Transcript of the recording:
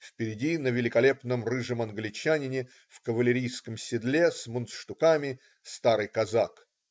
Впереди, на великолепном рыжем англичанине, в кавалерийском седле, с мундштуками,- старый казак.